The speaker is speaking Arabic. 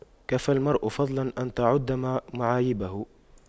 كفى المرء فضلا أن تُعَدَّ معايبه